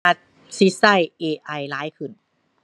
อาจสิใช้ AI หลายขึ้น